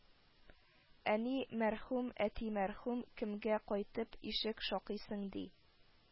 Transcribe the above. Әни мәрхүм, әти мәрхүм, кемгә кайтып ишек шакыйсың ди